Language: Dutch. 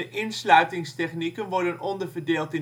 insluitingstechnieken worden onderverdeeld